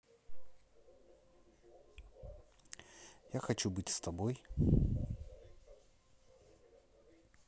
я хочу быть с тобой